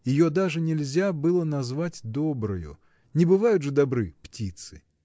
Ее даже нельзя было назвать доброю: не бывают же добры птицы.